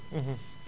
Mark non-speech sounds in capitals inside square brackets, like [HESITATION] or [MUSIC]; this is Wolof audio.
[HESITATION] [HESITATION]